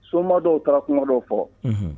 Soma dɔw taara kuma dɔw fɔ